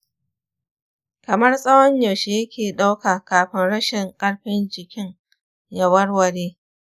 kamar tsawon yaushe ya ke ɗauka kafin rashin ƙarfin-jikin ya warware?